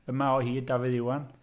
Yma o Hyd Dafydd Iwan.